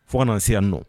Fo sera n nɔ